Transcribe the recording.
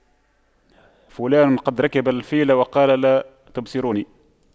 فلان قد ركب الفيل وقال لا تبصروني